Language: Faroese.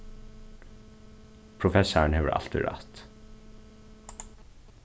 professarin hevur altíð rætt